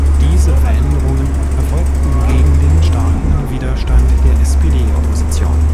Diese Veränderungen erfolgten gegen den starken Widerstand der SPD-Opposition